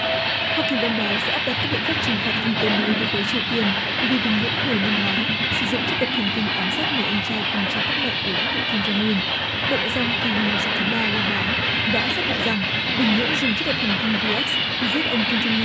hoa kỳ loan báo sẽ áp đặt các biện pháp trừng phạt kinh tế mới đối với triều tiên vì bình nhưỡng hồi năm ngoái sử dụng chất độc thần kinh ám sát người anh trai cùng cha khác mẹ của lãnh tụ kim dông un bộ ngoại giao hoa kỳ ngày mùng sáu tháng ba loan báo đã xác định rằng bình nhưỡng dùng chất độc thần kinh vi ét giết ông kim dông nam